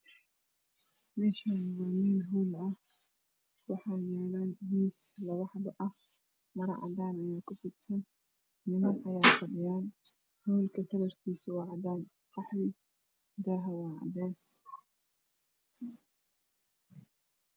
Meeshaan waa meel hool ah waxaa yaalo miis maro cadaan ah kufidsan niman ayaa fadhiyo. Hoolka kalarkiisu waa cadaan iyo qaxwi. Daaha waa cadeys.